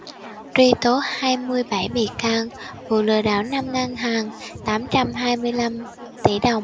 truy tố hai mươi bảy bị can vụ lừa đảo năm ngân hàng tám trăm hai mươi lăm tỉ đồng